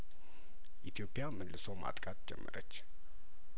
ኢትዮፕያመልሶ ማጥቃት ጀመረች